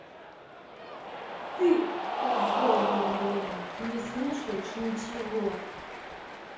ты позорная дрянь не слушаешь ничего